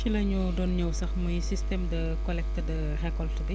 si la ñu don ñëw sax muy système de collecte de récolte bi